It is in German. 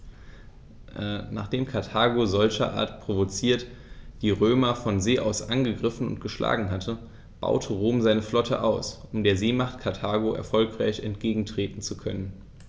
Nachdem Karthago, solcherart provoziert, die Römer von See aus angegriffen und geschlagen hatte, baute Rom seine Flotte aus, um der Seemacht Karthago erfolgreich entgegentreten zu können.